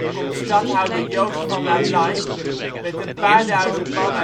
komt stadhouder Joost van Lalaing met een paar duizend man